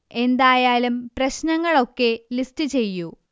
എന്തായാലും പ്രശ്നങ്ങൾ ഒക്കെ ലിസ്റ്റ് ചെയ്യൂ